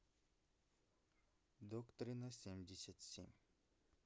доктрина семьдесят семь